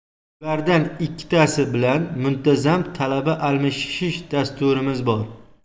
shulardan ikkitasi bilan muntazam talaba almashish dasturimiz bor